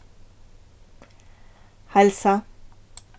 heilsa